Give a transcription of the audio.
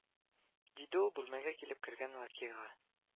Диде ул бүлмәгә килеп кергән лакейга